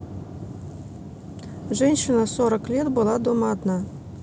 женщина сорок лет была дома одна